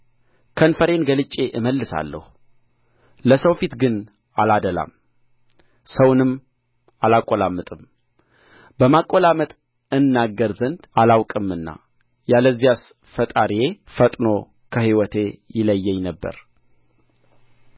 ከንፈሬን ገልጬ እመልሳለሁ ለሰው ፊት ግን አላደላም ሰውንም አላቈላምጥም በማቈላመጥ እናገር ዘንድ አላውቅምና ያለዚያስ ፈጣሪዬ ፈጥኖ ከሕይወቴ ይለየኝ ነበር